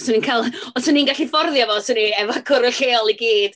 'Swn i'n cael... os 'swn i'n gallu fforddio fo 'swn i efo cwrw lleol i gyd.